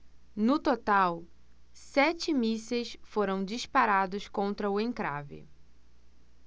no total sete mísseis foram disparados contra o encrave